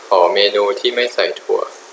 ขอเมนูที่ไม่ใส่ถั่ว